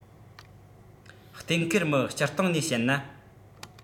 གཏན འཁེལ མི སྤྱིར བཏང ནས བཤད ན